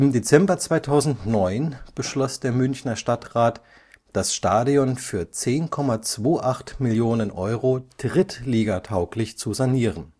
Dezember 2009 beschloss der Münchner Stadtrat, das Stadion für 10,28 Millionen Euro drittligatauglich zu sanieren